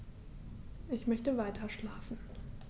Ich möchte weiterschlafen.